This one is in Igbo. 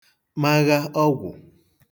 magha ọgwụ̀